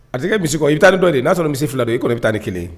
A misi i taa dɔ dɔn in n'a sɔrɔ misisi fila don i kɔni bɛ taa ni kelen